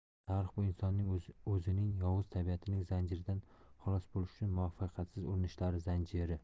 tarix bu insonning o'zining yovuz tabiatining zanjiridan xalos bo'lish uchun muvaffaqiyatsiz urinishlari zanjiri